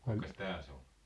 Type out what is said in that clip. kuinkas täällä se on